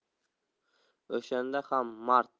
o'shanda ham mard